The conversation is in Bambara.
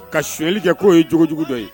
Ka suɲɛli kɛ ko ye jogo jugu dɔ ye.